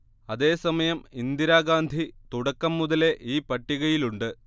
അതേ സമയം ഇന്ദിരാഗാന്ധി തുടക്കം മുതലേ ഈ പട്ടികയിലുണ്ട്